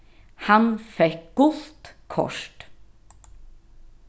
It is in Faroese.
hann fekk gult kort